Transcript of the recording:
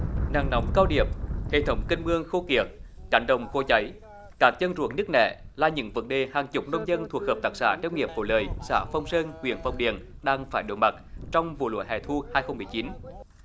nắng nóng cao điểm hệ thống kênh mương khô kiệt cánh đồng khô cháy các chân ruộng nứt nẻ là những vấn đề hàng chục nông dân thuộc hợp tác xã nông nghiệp phú lợi xã phong sơn huyện phong điền đang phải đối mặt trong vụ lúa hè thu hai không mười chín